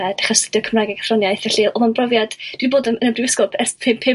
a dechra' 'studio Cymraeg ag Athroniaeth felly o'dd o'n brofiad dwi 'di bod y y brifisgol ers py- pum